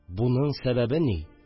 Буның сәбәбе ни